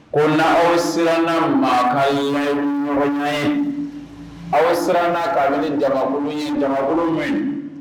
Ko na aw siran mankanya ye ɲɔgɔn ɲɔgɔn ye aw siran ka ni jabolo ye jabolo ye ye